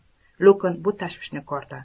lukn bu tashvishni ko'rdi